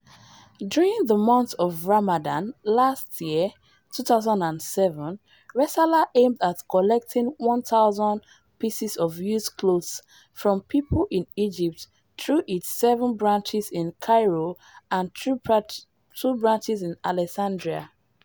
During the month of Ramadan last year (2007), Resala aimed at collecting 100 thousand pieces of used clothes from people in Egypt through its 7 branches in Cairo and 2 branches in Alexandria.